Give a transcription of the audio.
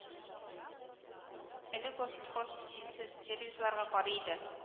Элек ул сельхозжилсезсервизларга карый иде